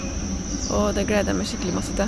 Og det gleder jeg meg skikkelig masse til.